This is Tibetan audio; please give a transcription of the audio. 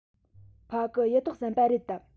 ཕ གི གཡུ ཐོག ཟམ པ རེད དམ